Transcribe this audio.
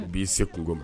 U b'i se kungo ma